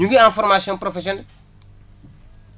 ñu ngi en formation profsessionelle